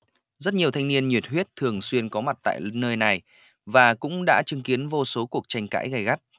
rất nhiều thanh niên nhiệt huyết thường xuyên có mặt tại nơi này và cũng đã chứng kiến vô số cuộc tranh cãi gay gắt